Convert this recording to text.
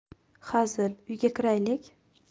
hazil uyga kiraylik